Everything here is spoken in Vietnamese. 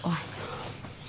uồi